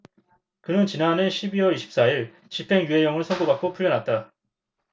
그는 지난해 십 이 월 이십 사 일 집행유예형을 선고받고 풀려났다